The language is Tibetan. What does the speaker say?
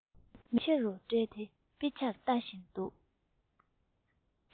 མིག ཆེ རུ བགྲད དེ དཔེ ཆར ལྟ བཞིན འདུག